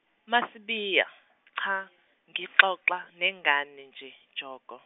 maSibiya, cha ngixoxa nengane nje Joko.